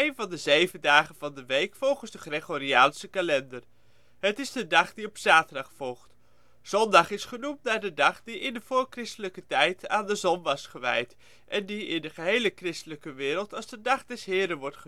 van de zeven dagen van de week volgens de Gregoriaanse kalender. Het is de dag die op de zaterdag volgt. Zondag is genoemd naar de dag die in de voorchristelijke tijd aan de zon was gewijd (Latijn: dies solis) en die in de gehele christelijke wereld als de ' dag des Heren ' wordt